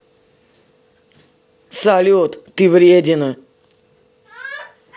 салют ты вредина